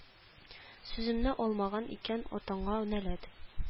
Сүземне алмаган икән атаңа нәләт